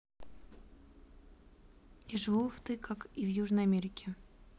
я живу в ты так и в южной америке